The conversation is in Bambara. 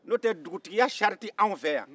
n'o tɛ dugutiya sariti anw fɛ yan